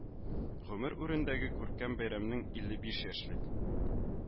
Гомер үрендәге күркәм бәйрәмен илле биш яшьлек